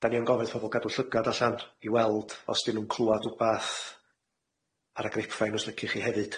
'dan ni yn gofyn'th pobol gadw llygad allan i weld os 'di nw'n clwad wbath ar y grepfain os liciwch chi hefyd.